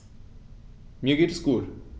Mir geht es gut.